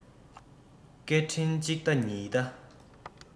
སྐད འཕྲིན གཅིག ལྟ གཉིས ལྟ